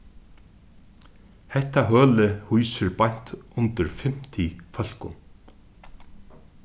hetta hølið hýsir beint undir fimmti fólkum